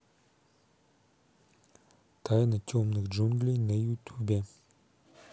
тайна темных джунглей на ютубе